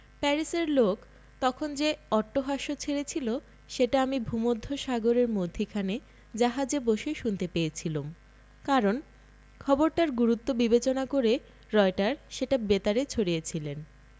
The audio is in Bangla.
প্যারিসের লোক তখন যে অট্টহাস্য ছেড়েছিল সেটা আমি ভূমধ্যসাগরের মধ্যিখানে জাহাজে বসে শুনতে পেয়েছিলুম কারণ খবরটার গুরুত্ব বিবেচনা করে রয়টার সেটা বেতারে ছড়িয়েছিলেন